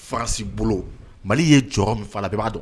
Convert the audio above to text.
France bolo Mali ye jɔyɔrɔ min fa a la bɛɛ b'a dɔn.